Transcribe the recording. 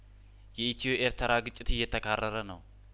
የኢትዮ ኤርትራ ግጭት እየተካረረ ነው